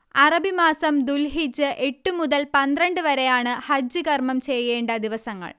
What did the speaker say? അറബിമാസം ദുൽഹിജ്ജ് എട്ട് മുതൽ പന്ത്രണ്ട് വരെയാണ് ഹജ്ജ് കർമ്മം ചെയ്യേണ്ട ദിവസങ്ങൾ